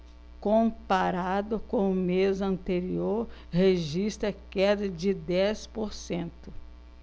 comparado com o mês anterior registra queda de dez por cento